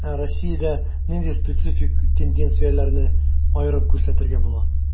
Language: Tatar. Ә Россиядә нинди специфик тенденцияләрне аерып күрсәтергә була?